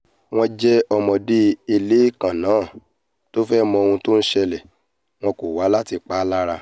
Wọn jẹ ọmọdé eléèékánná, tó ńfẹ́ mọ ohun tó ńṣẹlẹ̀...wọ́n ko wa láti pa ọ́ lára.